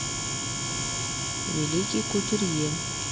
великий кутюрье